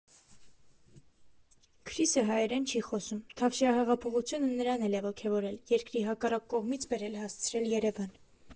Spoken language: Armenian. Քրիսը հայերեն չի խոսում, թավշյա հեղափոխությունը նրան էլ է ոգևորել, երկրի հակառակ կողմից բերել հասցրել Երևան։